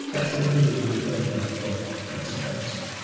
Gallwch chi ddim dibynnu arna fo cant y cant.